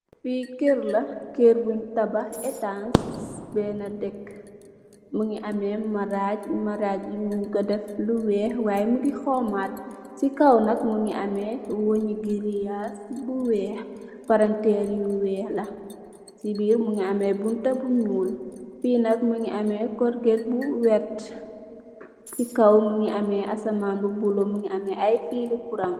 Fi kër la, kër bun tabah etasan benna degk mungi ameh maraj, maraj mun KO def lu weeh why mungi homat. ci kaw nak mungi ameh wènn girèyas bu weeh, palanteer yu weeh la. Ci biir mungi ameh bunta bu ñuul. Fi nak mungi ameh corket bu vert. Ci kaw mungi ameh asaman bu bulo, mungi ameh ay fili kuran.